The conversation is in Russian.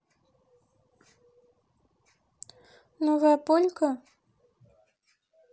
новая полька